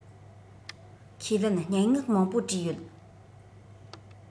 ཁས ལེན སྙན ངག མང པོ བྲིས ཡོད